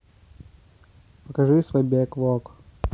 покажи свой бек лог